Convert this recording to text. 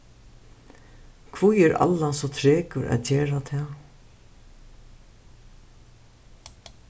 hví er allan so trekur at gera tað